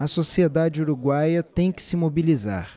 a sociedade uruguaia tem que se mobilizar